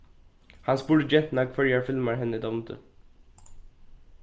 hann spurdi gentuna hvørjar filmar henni dámdi